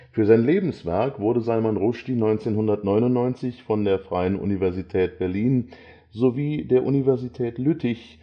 Für sein Lebenswerk wurde Salman Rushdie 1999 von der Freien Universität Berlin sowie der Universität Lüttich